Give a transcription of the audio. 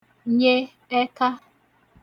nye ẹka